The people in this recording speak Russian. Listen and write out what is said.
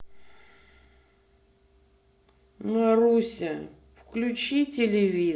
маруся включи телевизор